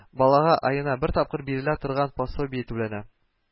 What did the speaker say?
Балага аена бер тапкыр бирелә торган пособие түләнә